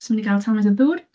Jyst yn mynd i gael tamaid o ddŵr.